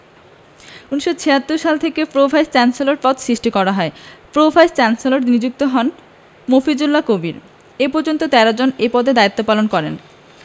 ১৯৭৬ সাল থেকে pro vice chancellor পদ সৃষ্টি করা হয় প্রথম প্রো ভাইস চ্যান্সেলর নিযুক্ত হন ড. মফিজুল্লাহ কবির এ পর্যন্ত ১৩ জন এ পদে দায়িত্বপালন করেন